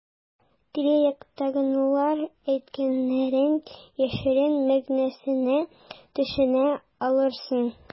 Тирә-яктагылар әйткәннәрнең яшерен мәгънәсенә төшенә алырсың.